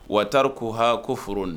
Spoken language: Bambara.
Waatari ko h ko f